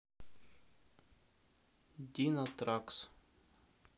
динотракс